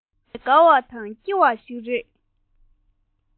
ངོ མ དགའ འོས ལ སྐྱིད འོས པ ཞིག རེད